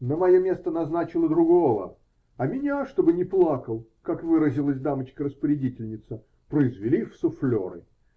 На мое место назначила другого, а меня, чтобы не плакал (как выразилась дамочка-распорядительница), произвели в суфлеры.